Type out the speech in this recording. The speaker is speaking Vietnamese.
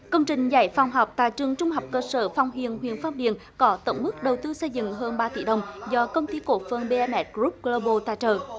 công trình dãy phòng học tại trường trung học cơ sở phong hiền huyện phong điền có tổng mức đầu tư xây dựng hơn ba tỷ đồng do công ty cổ phần bê a mét cờ rúp cờ ro bờ tài trợ